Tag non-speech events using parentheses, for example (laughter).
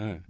(hesitation)